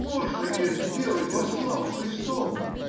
можно ли это сделать во славу Христову?